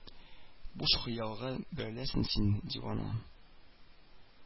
Буш хыялга бәреләсең син, дивана